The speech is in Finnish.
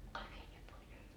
kaikki vietiin pois